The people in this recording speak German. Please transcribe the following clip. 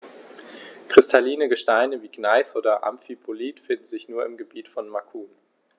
Kristalline Gesteine wie Gneis oder Amphibolit finden sich nur im Gebiet von Macun.